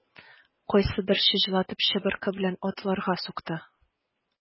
Кайсыдыр чыжлатып чыбыркы белән атларга сукты.